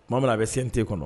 Tuma min na a bɛ sen tɛ kɔnɔ